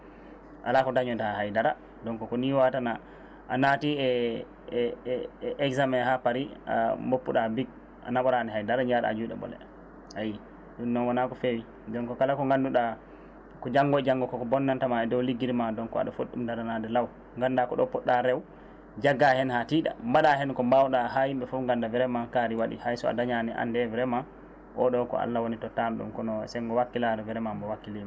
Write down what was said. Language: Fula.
ala ko dañata haydara donc koni waata a naati e e examen ha paari a goppuɗo bic a naworani haydara jaaɗa juuɗe ɓoole ayi ɗum noon wona ko feewi donc kala ko gannduɗa ko janŋgo janŋgo koko bonnantama e dow liggey ma donc aɗa footi ɗum ummanade laaw gannda ko poɗɗo reew jagga heen tiiɗa mabaɗa heen ko mbawɗa ha yimɓe fo gannda vraiment kaari waɗi hayso a dañani annde vraiment oɗo ko Allah woni tottani ɗum kono sengo wakkilade vraiment mo wakkili